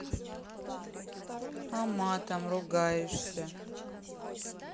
а матом ругаешься